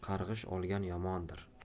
qarg'ish olgan yomondir